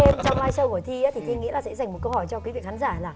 trong lai sâu của thi thì thi nghĩ là sẽ dành một câu hỏi cho quý vị khán giả là